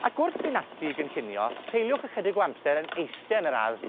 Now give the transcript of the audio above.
Ag wrth fyn' ati i gynllunio treuliwch ychydig o amser yn eiste yn yr ardd